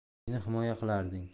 meni himoya qilarding